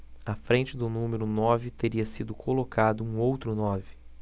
à frente do número nove teria sido colocado um outro nove